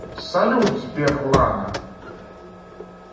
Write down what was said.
салют сбер лана